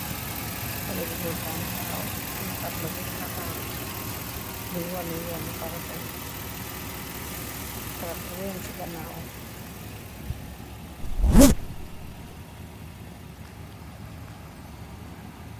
Xalèh bu gór ba ngi taxaw, teyeh tabla bi di nitalyu, bui waneh yoni Farafeññi garap bu rey Yan ci ganaw wam.